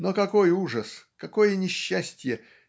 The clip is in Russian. Но какой ужас, какое несчастье